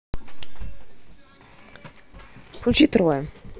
включи троя